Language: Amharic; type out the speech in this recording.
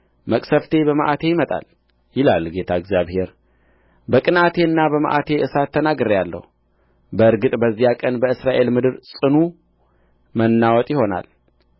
መቅሠፍቴ በመዓቴ ይመጣል ይላል ጌታ እግዚአብሔር በቅንዓቴና በመዓቴ እሳት ተናግሬአለሁ በእርግጥ በዚያ ቀን በእስራኤል ምድር ጽኑ መናወጥ ይሆናል